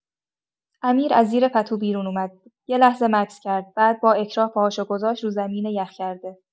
امیر از زیر پتو بیرون اومد، یه لحظه مکث کرد، بعد با اکراه پاهاشو گذاشت رو زمین یخ‌کرده.